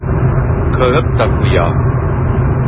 Корып та куя.